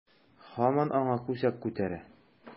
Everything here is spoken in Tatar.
Һаман аңа күсәк күтәрә.